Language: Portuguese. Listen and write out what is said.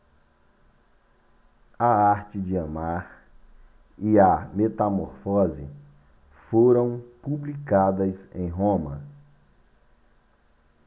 a arte de amar e a metamorfose foram publicadas em roma